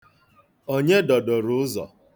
Onye dọdoro ụzọ?